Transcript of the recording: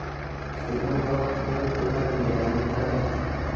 sizni uzoq kuttirib qo'ymadim degan umiddaman